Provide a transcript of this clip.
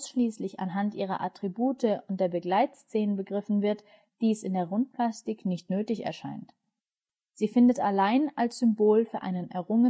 und der Begleitszenen begriffen wird, dies in der Rundplastik nicht nötig erscheint. Sie findet allein als Symbol für einen errungenen militärischen Sieg Verwendung